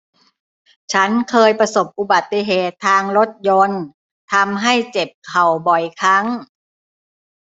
ฉันเคยประสบอุบัติเหตุทางรถยนต์ทำให้เจ็บเข่าบ่อยครั้ง